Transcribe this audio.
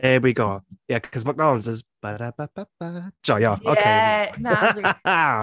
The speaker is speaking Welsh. There we go. Yeah, 'cause McDonald's is by-ry by ba-ba. Joio! Okay